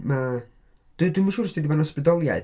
Mae... Dydw i ddim yn siŵr os ydy o wedi bod yn ysbrydoliaeth.